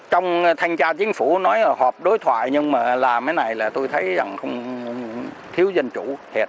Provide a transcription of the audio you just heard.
trong thanh tra chính phủ nói họp đối thoại nhưng mà làm cái này là tui thấy rằng không thiếu dân chủ thiệt